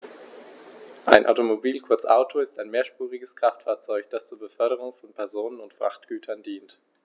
Ein Automobil, kurz Auto, ist ein mehrspuriges Kraftfahrzeug, das zur Beförderung von Personen und Frachtgütern dient.